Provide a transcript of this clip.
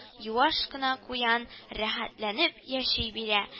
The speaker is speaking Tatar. Юаш кына куян рәхәтләнеп яши бирә